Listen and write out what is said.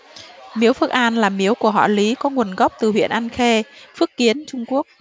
miếu phước an là miếu của họ lý có nguồn gốc từ huyện an khê phước kiến trung quốc